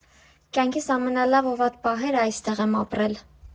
Կյանքիս ամենալավ ու վատ պահերը այստեղ եմ ապրել։